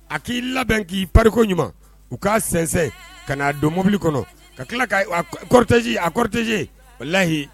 A k'i labɛn k'i pako ɲuman u k'a sinsɛn ka n'a don mobili kɔnɔ ka tila' kɔrɔtez a kɔrɔteze o layi